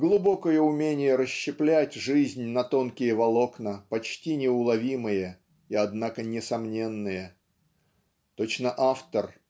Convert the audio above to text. глубокое уменье расщеплять жизнь на тонкие волокна почти неуловимые и однако несомненные. Точно автор